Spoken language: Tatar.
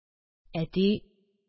Әти